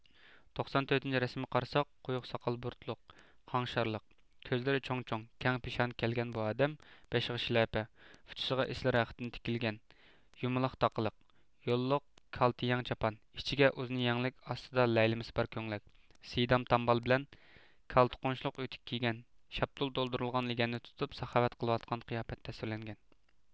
توقسان تۆتىنچى رەسىمگە قارىساق قۇيۇق ساقال بۇرۇتلۇق قاڭشارلىق كۆزلىرى چوڭ چوڭ كەڭ پېشانە كەلگەن بۇ ئادەم بېشىغا شىلەپە ئۇچىسىغا ئېسىل رەختتىن تىكىلگەن يۇمىلاق تاقىلىق يوللۇق كالتە يەڭ چاپان ئىچىگە ئۇزۇن يەڭلىك ئاستىدا لەيلىمىسى بار كۆڭلەك سىدام تامبال بىلەن كالتا قونچىلىق ئۆتۈك كىيگەن شاپتۇل تولدۇرۇلغان لىگەننى تۇتۇپ ساخاۋەت قىلىۋاتقان قىياپەتتە تەسۋىرلەنگەن